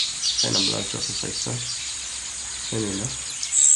S- sai'n ymladd dros y Saeson.